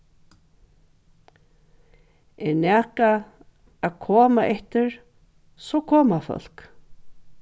er nakað at koma eftir so koma fólk